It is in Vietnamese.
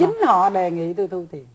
chính họ đề nghị tui thu tiền